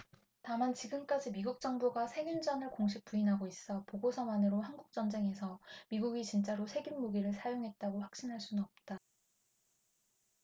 다만 지금까지 미국 정부가 세균전을 공식 부인하고 있어 보고서만으로 한국전쟁에서 미군이 진짜로 세균무기를 사용했다고 확신할 수는 없다